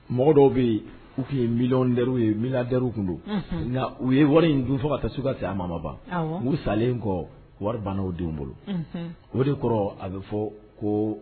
Mɔgɔ dɔw bɛ yen u tun ye miɛ ye mi daw tun don u ye wari in dun fɔ ka taa se ka se a mama ban uu salen kɔ wari banna' o denw bolo o de kɔrɔ a bɛ fɔ ko